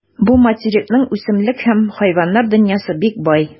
Бу материкның үсемлек һәм хайваннар дөньясы бик бай.